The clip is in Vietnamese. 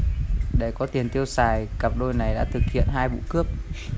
để có tiền tiêu xài cặp đôi này đã thực hiện hai vụ cướp